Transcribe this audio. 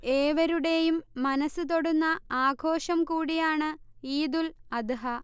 ഏവരുടെയും മനസ്സ് തൊടുന്ന ആഘോഷം കൂടിയാണ് ഈദുൽ അദ്ഹ